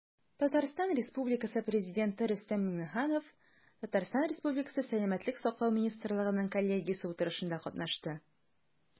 Татарстан Республикасы Президенты Рөстәм Миңнеханов ТР Сәламәтлек саклау министрлыгының коллегиясе утырышында катнашты.